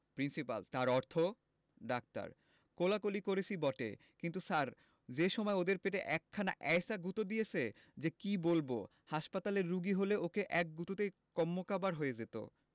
principal তার অর্থ ডাক্তার কোলাকুলি করেছি বটে কিন্তু স্যার যে সময় ওদের পেটে একখানা এ্যায়সা গুঁতো দিয়েছে যে কি বলব হাসপাতালের রোগী হলে অকে এক গুঁতোতেই কন্মকাবার হয়ে যেত